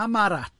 Am ar at